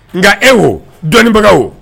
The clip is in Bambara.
Nka e o, dɔnnibagaw o